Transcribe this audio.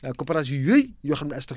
coopératives yooyu yoo xam ne stock